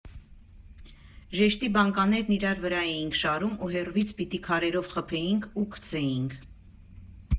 Ժեշտի բանկաներն իրար վրա էինք շարում ու հեռվից պիտի քարերով խփեինք ու գցեինք։